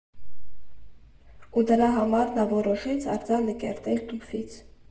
Ու դրա համար նա որոշեց արձանը կերտել տուֆից։